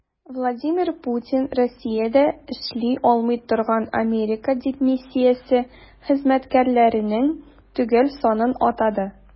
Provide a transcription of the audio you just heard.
Владимир Путин Россиядә эшли алмый торган Америка дипмиссиясе хезмәткәрләренең төгәл санын атады.